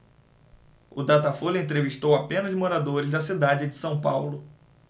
o datafolha entrevistou apenas moradores da cidade de são paulo